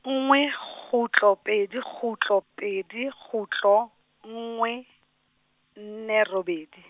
nngwe kgutlo pedi kgutlo pedi kgutlo, nngwe, nne robedi.